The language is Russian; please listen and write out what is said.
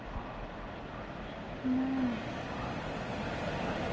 мама